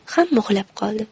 hamma uxlab qoldi